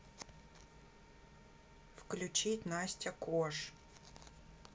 включить настя кош